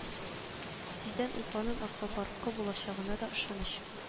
Тиздән уфаның аквапаркы булачагына да ышаныч